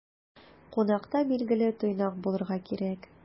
Кунакта, билгеле, тыйнак булырга кирәк.